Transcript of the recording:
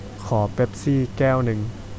ขอเป็ปซี่แก้วหนึ่ง